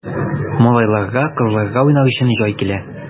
Малайларга, кызларга уйнар өчен җай килә!